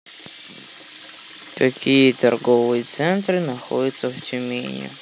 какие торговые центры находятся в тюмени